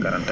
41